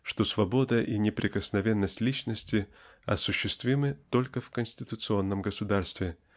что свобода и неприкосновенность личности осуществимы только в конституционном государстве